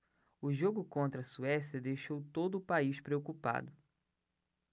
o jogo contra a suécia deixou todo o país preocupado